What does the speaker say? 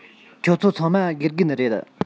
ཁྱོད ཚོ ཚང མ དགེ རྒན རེད